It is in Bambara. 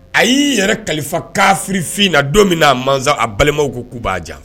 A y'i yɛrɛ kalifa kafirifin na don min'a ma a balimaw ko k'u b'a jan